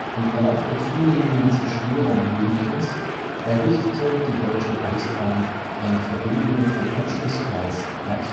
Im Verlauf der zunehmenden Zerstörung Münchens errichtete die Deutsche Reichsbahn eine Verbindung vom Anschlussgleis nach